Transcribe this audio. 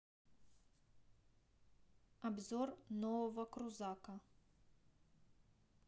обзор нового крузака